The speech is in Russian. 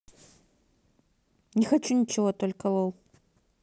не хочу ничего только лол